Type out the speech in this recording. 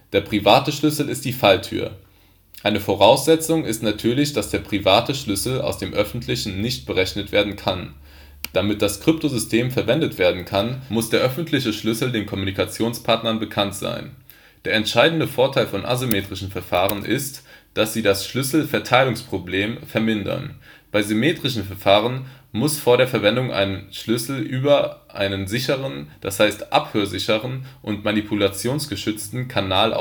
der private Schlüssel ist die Falltür. Eine Voraussetzung ist natürlich, dass der private Schlüssel aus dem öffentlichen nicht berechnet werden kann. Damit das Kryptosystem verwendet werden kann, muss der öffentliche Schlüssel dem Kommunikationspartner bekannt sein. Der entscheidende Vorteil von asymmetrischen Verfahren ist, dass sie das Schlüsselverteilungsproblem vermindern. Bei symmetrischen Verfahren muss vor der Verwendung ein Schlüssel über einen sicheren, d. h. abhörsicheren und manipulationsgeschützten, Kanal